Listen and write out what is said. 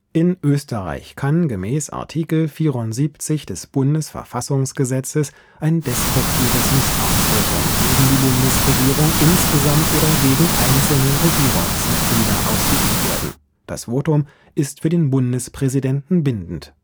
In Österreich kann gemäß Art. 74 des Bundes-Verfassungsgesetzes (B-VG) ein destruktives Misstrauensvotum gegen die Bundesregierung insgesamt oder gegen einzelne Regierungsmitglieder ausgeübt werden. Das Votum ist für den Bundespräsidenten bindend